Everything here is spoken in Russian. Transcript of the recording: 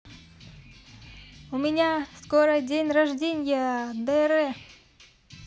у меня скоро день рождения dr